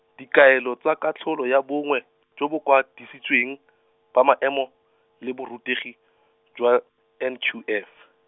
dikaelo tsa katlholo ya bongwe, jo ba kwadisitsweng, ba maemo, le borutegi, jwa, N Q F.